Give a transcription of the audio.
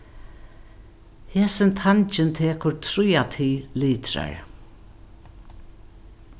hesin tangin tekur tríati litrar